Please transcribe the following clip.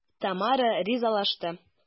Тамара ризалашты.